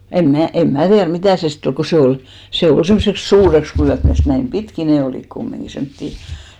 en minä en minä tiedä mitä se sitten oli kun se oli se oli semmoiseksi suureksi lyöty täst näin pitkin ne olivat kumminkin semmoisia